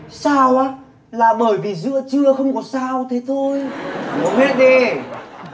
sao á là bởi vì giữa trưa không có sao thế thôi uống hết đi